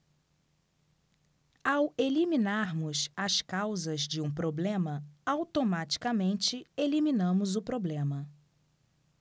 ao eliminarmos as causas de um problema automaticamente eliminamos o problema